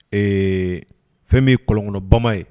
Ee fɛn bɛ ye kolonkɔnɔ bama ye